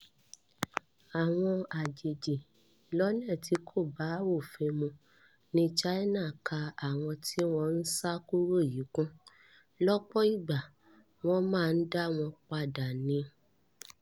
Àwọn àjèjì ̀lọ́nà tí kò bá òfin mu ni China ka àwọn tí wọ́n ń sá kúrò yí kún. Lọ́pọ̀ ìgbà, wọ́n máa dá wọn padà ni.